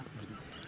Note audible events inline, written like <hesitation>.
<hesitation> <hesitation>